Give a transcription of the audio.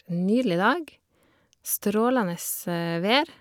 Nydelig dag, strålende vær.